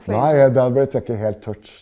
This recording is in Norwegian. nei det her ble helt tørt.